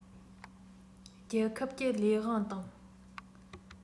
རྒྱལ ཁབ ཀྱི ལས དབང དང